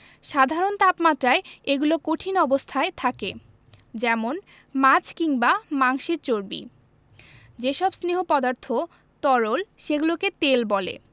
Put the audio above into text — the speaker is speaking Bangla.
সাধারণ তাপমাত্রায় এগুলো কঠিন অবস্থায় থাকে যেমন মাছ কিংবা মাংসের চর্বি যেসব স্নেহ পদার্থ তরল সেগুলোকে তেল বলে